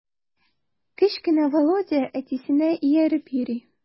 Кечкенә Володя әтисенә ияреп йөри.